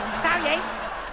sao dậy